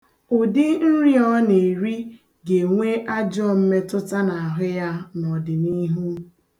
Ụdị nri a ọ na-eri ga-enwe ajọọ mmetụta n'ahụ ya n'ọdịniihu.